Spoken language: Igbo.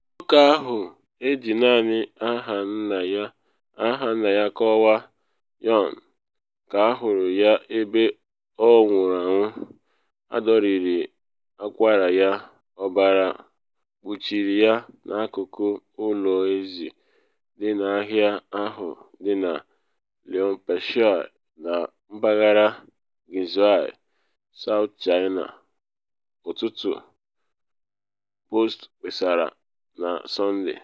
Nwoke ahụ, eji naanị aha nna ya kọwaa “Yaun,” ka ahụrụ ya ebe ọ nwụrụ anwụ, adọrịrị akwara ya, ọbara kpuchiri ya n’akụkụ ụlọ ezi dị n’ahịa ahụ dị na Liupanshui na mpaghara Guizhou, South China Morning Post kpesara na Sọnde.